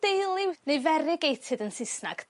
deuliw ne' verigated yn Sysnag.